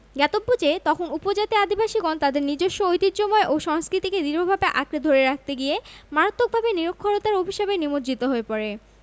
জ্ঞাতব্য যে তখন উপজাতি আদিবাসীগণ তাদের নিজস্ব ঐতিহ্যময় ও সংস্কৃতিকে দৃঢ়ভাবে আঁকড়ে ধরে রাখতে গিয়ে মারাত্মকভাবে নিরক্ষরতার অভিশাপে মির্জ্জিত হয়ে পড়ে